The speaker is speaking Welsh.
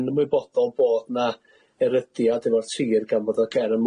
yn ymwybodol bod 'na erydiad efo'r tir gan fod o ger y